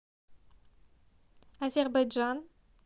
азербайджан